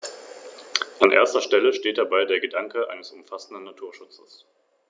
Der Nacken ist goldgelb.